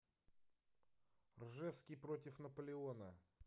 ржевский против наполеона